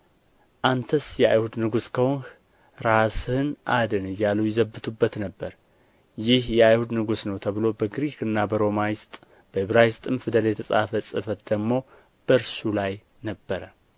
አንተስ የአሁድ ንጉሥ ከሆንህ ራስህን አድን እያሉ ይዘብቱበት ነበር ይህ የአይሁድ ንጉሥ ነው ተብሎ በግሪክና በሮማይስጥ በዕብራይስጥም ፊደል የተጻፈ ጽሕፈት ደግሞ በእርሱ ላይ ነበረ